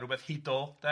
Rwbeth hudol, 'de?